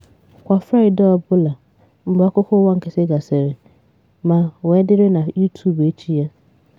Kwa abalị Fraịdei ọbụla mgbe akụkọ ụwa nkịtị gasịrị, ma wee dịrị na YouTube echi ya).